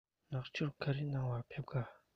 ནག ཆུར ག རེ གནང བར ཕེབས ཀ